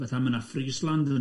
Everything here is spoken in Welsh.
Fatha mae yna Friesland yndoes?